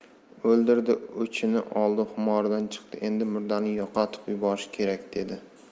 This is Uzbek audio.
o'ldirdi o'chini oldi xumordan chiqdi endi murdani yo'qotib yuborish kerak dedi